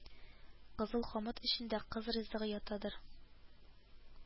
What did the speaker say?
Кызыл камыт эчендә Кыз ризыгы ятадыр